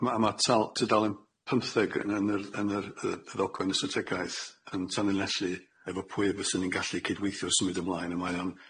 Ma' ma'r tal- tudalen pymtheg yn yym yr yn yr yy y ddogfen strategaeth yn tanlinellu efo pwy fysen ni'n gallu cydweithio wrth symud ymlaen, a mae o'n